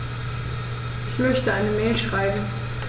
Ich möchte eine Mail schreiben.